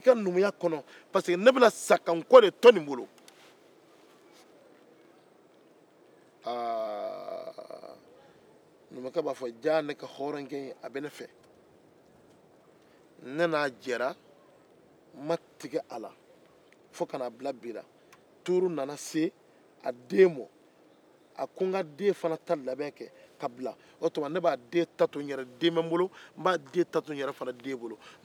ne n'a jɛra n ma tigɛ a la fo ka n'a bila bi la turu nana se a den ma a ko n fana ka den ta labɛn kɛ k'a bila ne b'a den ta to n yɛrɛ den bolo n b'u bila u k'u ka maaya kɛ ka wuli ni ɲɔgɔn ye